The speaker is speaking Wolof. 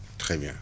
très bien